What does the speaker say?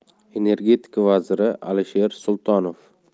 energetika vaziri alisher sultonov